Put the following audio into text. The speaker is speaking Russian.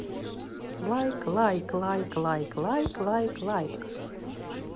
лайк лайк лайк лайк лайк лайк лайк